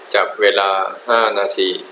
จับเวลาห้านาที